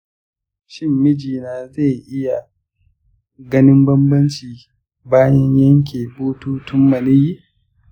shin mijina zai iya ganin bambanci bayan yanke bututun maniyyi?